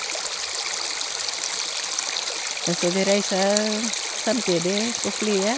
Og så vi reiser samtidig på flyet.